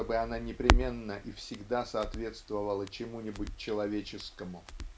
чтобы она непременно и всегда соответствовала чему-нибудь человеческому.